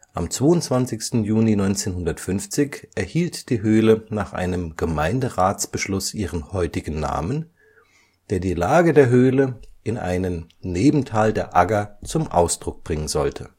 Am 22. Juni 1950 erhielt die Höhle nach einem Gemeinderatsbeschluss ihren heutigen Namen, der die Lage der Höhle in einem Nebental der Agger zum Ausdruck bringen sollte